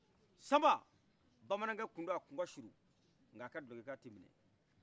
samba bamanankɛ tun do a ka surun nk' a ka guloki kan tɛ minɛ